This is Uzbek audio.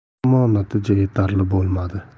ammo natija yetarli bo'lmadi